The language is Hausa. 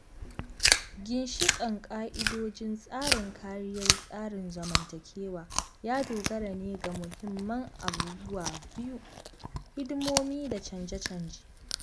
Ginshiƙan ƙa'idojin tsarin kariyar tsarin zamantakewa ya dogara ne ga muhimman abubuwa biyu: hidimomi da canje-canje.